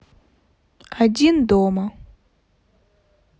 один дом